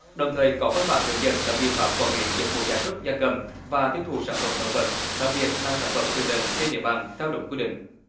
đồng thời có văn bản hướng dẫn các biện pháp quản lý giết mổ gia súc gia cầm và tiêu thụ sản phẩm động vật đặc biệt là sản phẩm từ lợn trên địa bàn theo đúng quy định